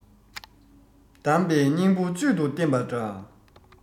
གདམས པའི སྙིང བོ བཅུད དུ བསྟེན པ འདྲ